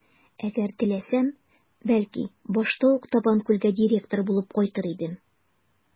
Әгәр теләсәм, бәлки, башта ук Табанкүлгә директор булып кайтыр идем.